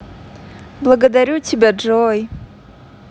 благодарю тебя джой